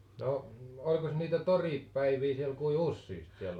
no olikos niitä toripäiviä siellä kuinka useasti siellä